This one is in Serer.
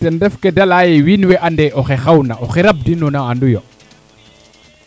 ten ref keede leyaye wiin we ande oxe xawna oxe rab dinuna a andu yo